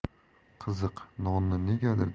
qiziq nonni negadir